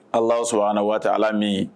Alahu subahana wataala min